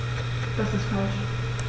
Das ist falsch.